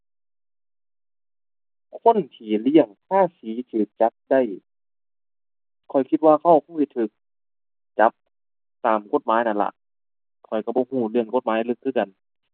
คนที่เลี่ยงภาษีถูกจับได้ ข้อยคิดว่าเขาถูกคงสิถูกจับตามกฎหมายนั่นล่ะ ข้อยถูกบ่ถูกเรื่องกฎหมายลึกคือกัน